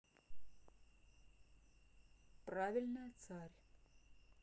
правильная царь